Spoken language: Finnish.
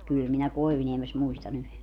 kyllä minä Koivuniemessä muistan yhden